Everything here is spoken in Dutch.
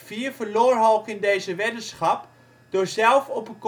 2004 verloor Hawking deze weddenschap door zelf op een conferentie